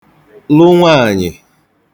lụ nwaànyị̀